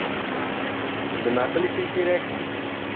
nima qilishim kerak